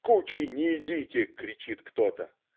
"Кучей не идите!" - кричит кто-то.